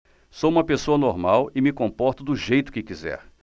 sou homossexual e me comporto do jeito que quiser